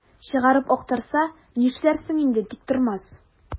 Чыгарып актарса, нишләрсең инде, Тиктормас?